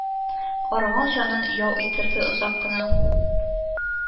Арган җанын ял иттерде озак кына